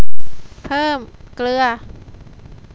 เพิ่มเกลือ